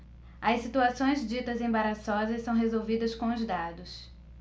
as situações ditas embaraçosas são resolvidas com os dados